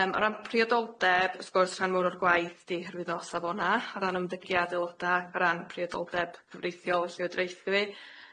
Yym o ran priodoldeb wrth gwrs rhan mowr o'r gwaith di hyrwyddo safona, o ran ymdygi a adeiloda a ran priodoldeb cyfreithiol y llywodraethu.